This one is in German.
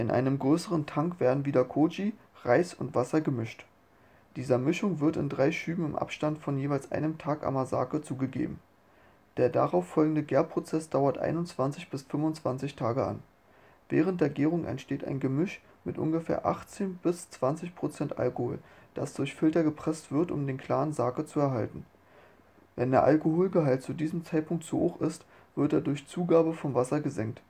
einem größeren Tank werden wieder Kōji, Reis und Wasser gemischt. Dieser Mischung wird in drei Schüben im Abstand von jeweils einem Tag Amazake zugegeben. Der darauf folgende Gärprozess dauert 21 bis 25 Tage an. Während der Gärung entsteht ein Gemisch mit ungefähr 18 % bis 20 % Alkohol, das durch Filter gepresst wird, um den klaren Sake zu erhalten. Wenn der Alkoholgehalt zu diesem Zeitpunkt zu hoch ist, wird er durch Zugabe von Wasser gesenkt